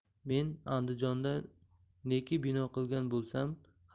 men andijonda neki bino qilgan